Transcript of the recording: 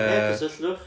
ia cysylltwch...